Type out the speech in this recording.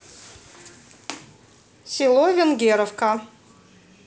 село венгеровка